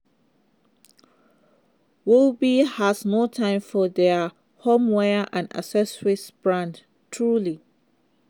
Willoughby has no time for their homewear and accessories brand Truly.